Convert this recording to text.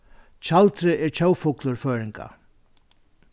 tjaldrið er tjóðfuglur føroyinga